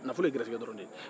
nafolo ye garijɛgɛ dɔrɔn de ye